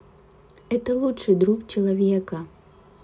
это лучший друг человека